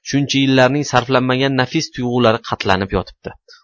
shuncha yillarning sarflanmagan nafis tuyg'ulari qatlanib yotibdi